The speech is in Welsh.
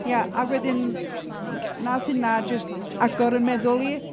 ia a wedyn n- wnaeth hynna jyst agor yn meddwl i